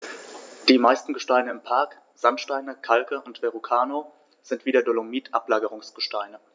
Die meisten Gesteine im Park – Sandsteine, Kalke und Verrucano – sind wie der Dolomit Ablagerungsgesteine.